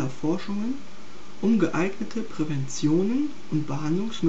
Forschungen, um geeignete Präventionen und